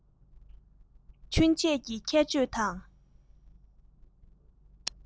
ཚུན ཆད ཀྱི ཁྱད ཆོས དང